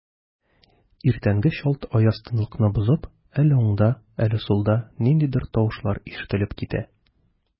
Иртәнге чалт аяз тынлыкны бозып, әле уңда, әле сулда ниндидер тавышлар ишетелеп китә.